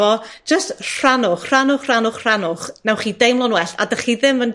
fo, jyst rhannwch, rhannwch, rhannwch, rhannwch. Newch chi deimlo'n well a 'dych chi ddim yn